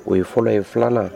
O ye fɔlɔ ye 2nan.